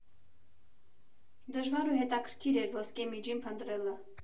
Դժվար ու հետաքրքիր էր ոսկե միջին փնտրելը»։